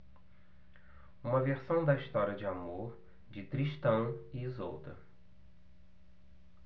uma versão da história de amor de tristão e isolda